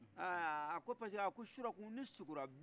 aa a ko parce que a ko surɔ tugu ne sukola